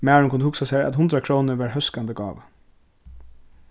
maðurin kundi hugsað sær at hundrað krónur var hóskandi gáva